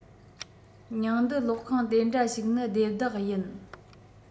ཉིང རྡུལ གློག ཁང དེ འདྲ ཞིག ནི སྡེ བདག ཡིན